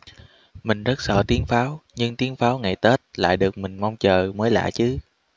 mình rất sợ tiếng pháo nhưng tiếng pháo ngày tết lại được mình mong chờ mới lạ chứ